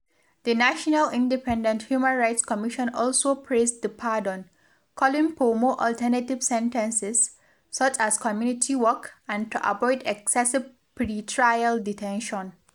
The National Independent Human Rights Commission also praised the pardon, calling for more alternative sentences, such as community work, and to avoid excessive pretrial detention.